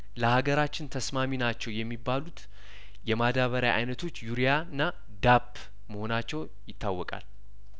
ለአገራችን ተስማሚ ናቸው የሚባሉት የማዳበሪያ አይነቶች ዩሪያና ዳፕ መሆናቸው ይታወቃል